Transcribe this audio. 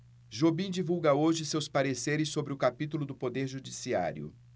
jobim divulga hoje seus pareceres sobre o capítulo do poder judiciário